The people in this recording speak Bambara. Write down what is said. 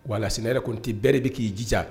Walasi yɛrɛ tun tɛ bere bɛ k'i jija